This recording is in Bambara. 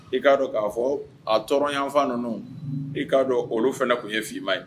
I k'a dɔn k'a fɔ a tɔɔrɔɲɔgɔnfan ninnu i k'a dɔn olu fana tun ye f' i ma ye